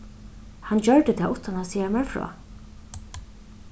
hann gjørdi tað uttan at siga mær frá